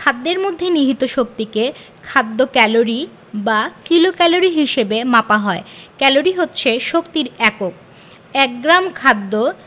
খাদ্যের মধ্যে নিহিত শক্তিকে খাদ্য ক্যালরি বা কিলোক্যালরি হিসেবে মাপা হয় ক্যালরি হচ্ছে শক্তির একক এক গ্রাম খাদ্য